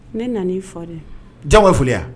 Ne nana i fo de, diyakoya ye foli wa?